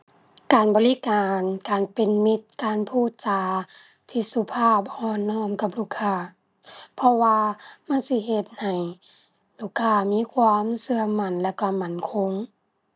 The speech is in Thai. การบริการ การเป็นมิตร การพูดจาที่สุภาพอ่อนน้อมกับลูกค้า เพราะว่ามันสิเฮ็ดให้ลูกค้ามีความเชื่อมั่นแล้วเชื่อมั่นคง